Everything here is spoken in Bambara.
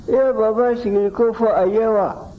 i ye baba sigiliko fɔ a ye wa